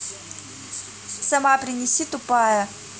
сама принеси тупая